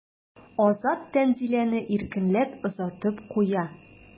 Азат Тәнзиләне иркенләп озатып куя.